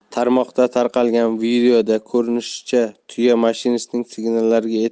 tarmoqda tarqalgan videoda ko'rinishicha tuya mashinistning signallariga